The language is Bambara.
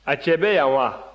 a cɛ bɛ yan wa